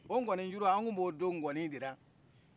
o ŋɔni juru an tun b'o do ŋɔni dela